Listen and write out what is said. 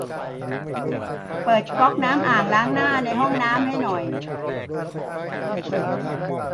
เปิดก๊อกน้ำอ่างล้างหน้าในห้องน้ำให้หน่อย